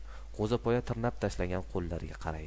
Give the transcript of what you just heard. g'o'zapoya tirnab tashlagan qo'llariga qaraydi